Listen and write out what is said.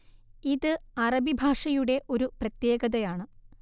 ഇത് അറബി ഭാഷയുടെ ഒരു പ്രത്യേകതയാണ്